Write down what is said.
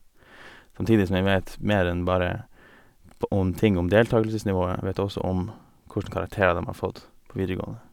Samtidig som vi vet mer enn bare på om ting om deltakelsesnivået, vet også om kossjn karakterer dem har fått på videregående.